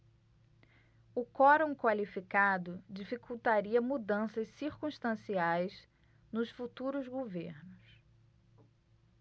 o quorum qualificado dificultaria mudanças circunstanciais nos futuros governos